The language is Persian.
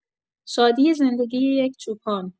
شادی زندگی یک چوپان